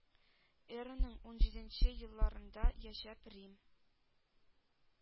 Эраның унҗиденче елларында яшәп, рим